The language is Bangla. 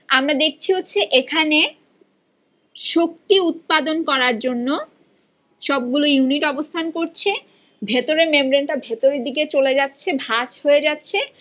আমরা দেখছি হচ্ছে এখানে শক্তি উৎপাদন করার জন্য সবগুলো ইউনিট অবস্থান করছে ভেতরে মেমব্রেন টা ভেতরের দিকে চলে যাচ্ছে ভাঁজ হয়ে যাচ্ছে